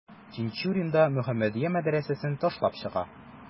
Тинчурин да «Мөхәммәдия» мәдрәсәсен ташлап чыга.